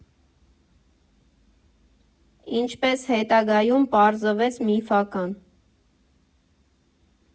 Ինչպես հետագայում պարզվեց՝ միֆական։